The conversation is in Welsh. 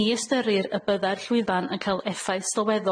Ni ystyrir y bydda'r llwyfan yn cal effaith sylweddol